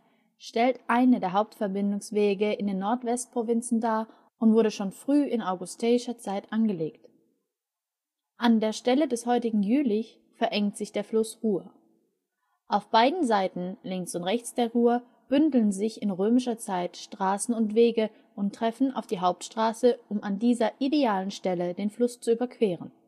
stellt eine der Hauptverbindungswege in den Nordwestprovinzen dar und wurde schon früh in augusteischer Zeit angelegt. An der Stelle des heutigen Jülichs verengt sich der Fluss Rur. Auf beiden Seiten links und rechts der Rur bündeln sich in römischer Zeit Straßen und Wege und treffen auf die Hauptstraße, um an dieser idealen Stelle den Fluss zu queren